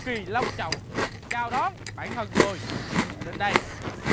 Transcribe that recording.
kỳ long trọng chào đón bản thân tôi đến đây